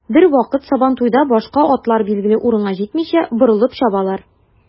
Бервакыт сабантуйда башка атлар билгеле урынга җитмичә, борылып чабалар.